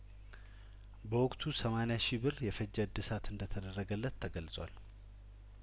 በወቅቱ ሰማኒያሺ ብር የፈጀ እድሳት እንደተደረገለት ተገልጿል